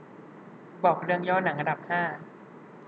บอกเรื่องย่อหนังอันดับห้า